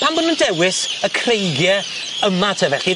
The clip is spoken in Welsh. Pam bo' n'w'n dewis y creigie yma te felli?